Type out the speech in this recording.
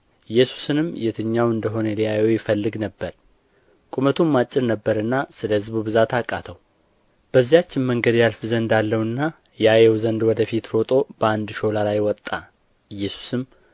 ኢየሱስንም የትኛው እንደ ሆነ ሊያይ ይፈልግ ነበር ቁመቱም አጭር ነበረና ስለ ሕዝቡ ብዛት አቃተው በዚያችም መንገድ ያልፍ ዘንድ አለውና ያየው ዘንድ ወደ ፊት ሮጦ በአንድ ሾላ ላይ ወጣ ኢየሱስም